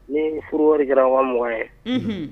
Ni furu wɔri kɛra 20.000 ye unhunn